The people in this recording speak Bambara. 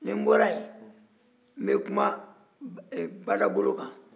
ni n bɔra yen n bɛ kuma badabolo kan